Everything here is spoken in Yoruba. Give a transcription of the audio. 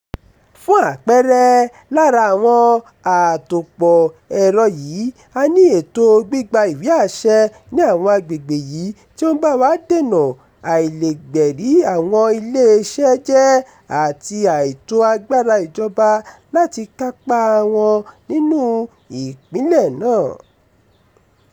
Fún àpẹẹrẹ [lára àwọn àtòpọ̀ ẹ̀rọ yìí], a ní ètòo gbígba ìwé àṣẹ ní àwọn agbègbè yìí [tí ó ń bá wa dènà] àìlègbẹ̀rí àwọn iléeṣẹ́ jẹ́ àti àìtó agbára ìjọba láti kápáa wọn nínú ìpínlẹ̀ náà.